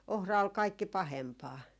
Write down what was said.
ohra oli kaikkein pahempaa